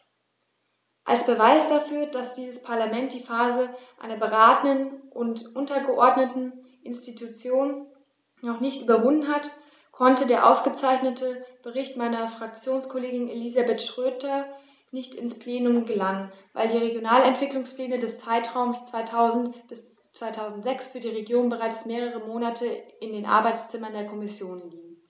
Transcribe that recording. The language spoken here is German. Als Beweis dafür, dass dieses Parlament die Phase einer beratenden und untergeordneten Institution noch nicht überwunden hat, konnte der ausgezeichnete Bericht meiner Fraktionskollegin Elisabeth Schroedter nicht ins Plenum gelangen, weil die Regionalentwicklungspläne des Zeitraums 2000-2006 für die Regionen bereits mehrere Monate in den Arbeitszimmern der Kommission liegen.